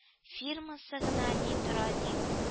Фирмасы гына ни тора, ди